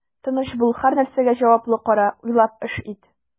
Тыныч бул, һәрнәрсәгә җаваплы кара, уйлап эш ит.